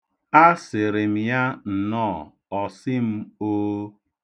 Asịrị m ya "nnọọ", ọ sị m "oo".